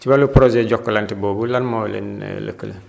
ci wàllu projet Jokalante boobu lan moo leen lëkkale